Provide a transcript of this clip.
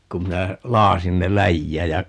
kun minä lakaisin ne läjään ja